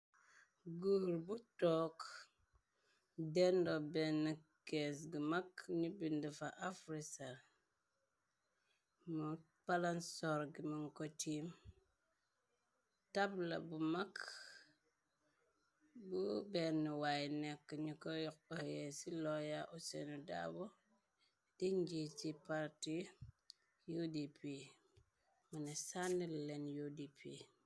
Goor bu took dendo benn kees gu mag ñu bindi fa afrisa mu palansorg min ko tiim tabla bu mak bu benn waay nekk ñu ko yx oyee ci looya osenu daabo dinji ci parti udp mëna sànnil leen udp.